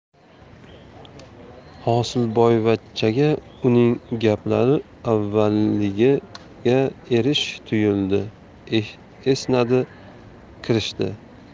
hosilboyvachchaga uning gaplari avvaliga erish tuyuldi esnadi kerishdi